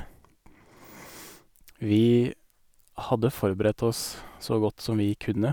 Vi hadde forberedt oss så godt som vi kunne.